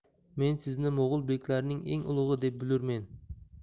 men sizni mo'g'ul beklarining eng ulug'i deb bilurmen